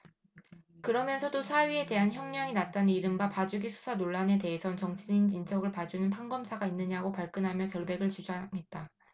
그러면서도 사위에 대한 형량이 낮다는 이른바 봐주기 수사 논란에 대해선 정치인 인척을 봐주는 판검사가 있느냐고 발끈하며 결백을 주장했다